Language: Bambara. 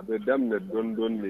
A bɛ daminɛ dɔɔni dɔɔni de .